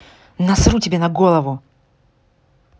насру тебе на голову